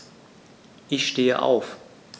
Ich stehe auf.